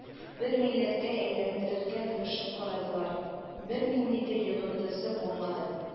Бер милләткә әйләндерергә тырышып карадылар, бернинди дә йогынтысы булмады.